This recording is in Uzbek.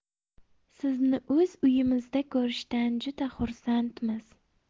sizni o'z uyimizda ko'rishdan juda xursandmiz